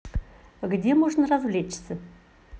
где можно развлечься